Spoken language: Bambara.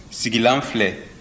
sigilan filɛ